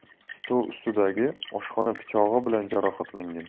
stol ustidagi oshxona pichog'i bilan jarohatlagan